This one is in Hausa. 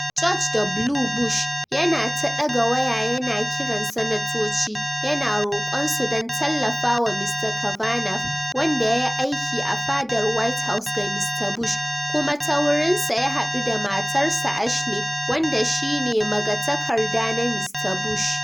George W. Bush yana ta daga waya yana kiran Sanatoci, yana rokon su don tallafawa Mr Kavanaugh, wanda yayi aiki a fadar White House ga Mr Bush kuma ta wurinsa ya hadu da matarsa Ashley, wanda shi ne magatakarda na Mr Bush.